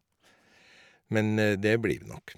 Men det blir det nok.